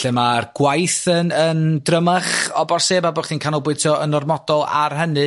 lle ma'r gwaith yn, yn drymach o bosibl bod chdi'n canolbwyntio yn ormodol ar hynny